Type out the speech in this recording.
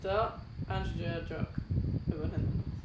do a wnes i joio'r jôc efo'r hen ddynas